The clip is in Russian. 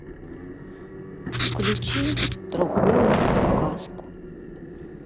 включи другую сказку